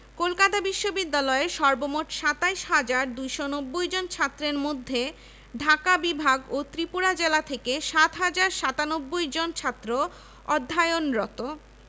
কলকাতা বিশ্ববিদ্যালয়ের সর্বমোট ২৭ হাজার ২৯০ জন ছাত্রের মধ্যে ঢাকা বিভাগ ও ত্রিপুরা জেলা থেকে ৭ হাজার ৯৭ জন ছাত্র অধ্যয়নরত